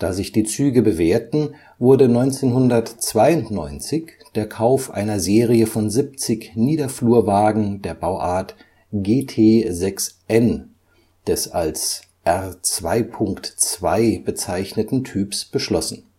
sich die Züge bewährten, wurde 1992 der Kauf einer Serie von 70 Niederflurwagen der Bauart GT6N des als R 2.2 bezeichneten Typs beschlossen